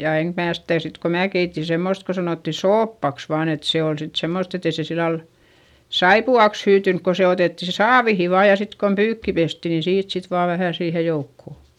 ja enkä minä sitä sitten kun minä keitin semmoista kun sanottiin soopaksi vain että se oli sitten semmoista että ei se sillä lailla saippuaksi hyytynyt kun se otettiin sitten saaviin vain ja sitten kun pyykki pestiin niin siitä sitten vain vähän siihen joukkoon